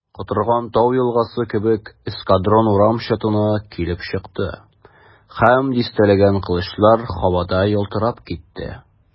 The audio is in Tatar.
Котырган тау елгасы кебек эскадрон урам чатына килеп чыкты, һәм дистәләгән кылычлар һавада ялтырап китте.